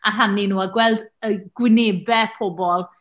A rhannu nhw a gweld y gwynebau pobl.